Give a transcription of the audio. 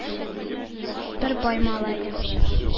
Бер бай малае,